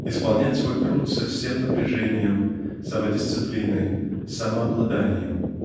исполнять свой труд со всем напряжением самодисциплиной самообладанием